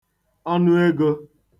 ọnụegō